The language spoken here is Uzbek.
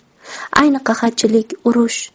ayni qahatchilik urush